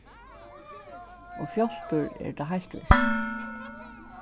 og fjáltur er tað heilt vist